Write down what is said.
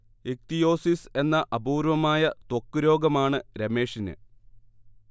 ichthyosis എന്ന അപൂർവമായ ത്വക്ക് രോഗമാണ് രമേഷിന്